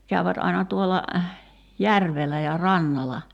käyvät aina tuolla järvellä ja rannalla